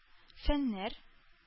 Фәннәр